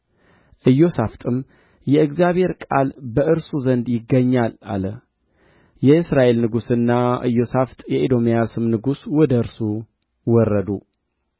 ኢዮሣፍጥም በእርሱ እግዚአብሔርን የምንጠይቅበት የእግዚአብሔር ነቢይ በዚህ አይገኝምን አለ ከእስራኤልም ንጉሥ ባሪያዎች አንዱ በኤልያስ እጅ ላይ ውኃ ያፈስስ የነበረው የሣፋጥ ልጅ ኤልሳዕ እዚህ አለ ብሎ መለሰ